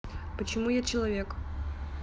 почему я человек